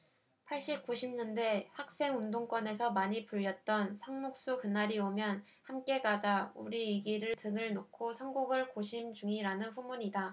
팔십 구십 년대 학생운동권에서 많이 불렸던 상록수 그날이 오면 함께 가자 우리 이 길을 등을 놓고 선곡을 고심 중이라는 후문이다